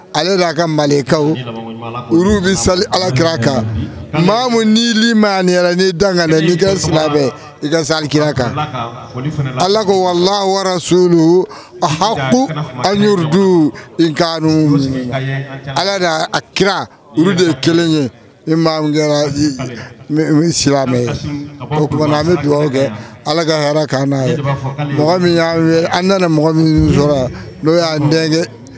Alekaw bɛ alakira kanmu ka saki kira kan ala ko wala la warasiw ha an ka ala kira de ye kelen ye kɛra ye tuma an bɛ dugawu kɛ ala ka n' ye mɔgɔ min y' an nana mɔgɔ'o y'a denkɛ